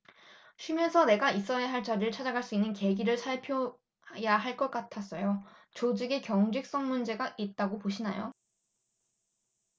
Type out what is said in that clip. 쉬면서 내가 있어야 할 자리를 찾아갈 수 있는 계기를 살펴야 할 것 같았어요 조직의 경직성 문제가 있다고 보시나요